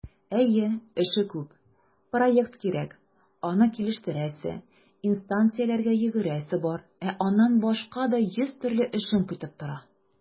Әйе, эше күп - проект кирәк, аны килештерәсе, инстанцияләргә йөгерәсе бар, ә аннан башка да йөз төрле эшең көтеп тора.